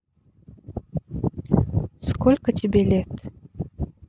сколько тебе лет